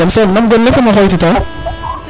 jem som nam gon le fo mam o xoytita